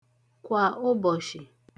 kwà ụbọ̀shị̀